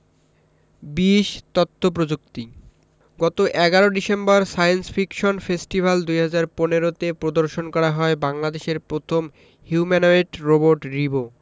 ২০ তথ্য প্রযুক্তি গত ১১ ডিসেম্বর সায়েন্স ফিকশন ফেস্টিভ্যাল ২০১৫ তে প্রদর্শন করা হয় বাংলাদেশের প্রথম হিউম্যানোয়েড রোবট রিবো